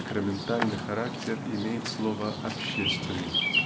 сакраментальный характер имеет слово общественный).